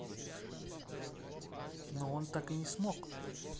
но она так и не смогла